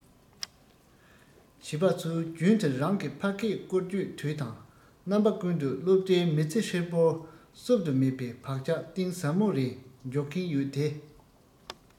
བྱིས པ ཚོས རྒྱུན དུ རང གི ཕ སྐད བཀོལ སྤྱོད དུས དང རྣམ པ ཀུན ཏུ སློབ གྲྭའི མི ཚེ ཧྲིལ པོར བསུབ ཏུ མེད པའི བག ཆགས གཏིང ཟབ མོ རེ འཇོག གིན ཡོད དེ